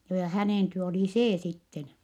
joo ja hänen työ oli se sitten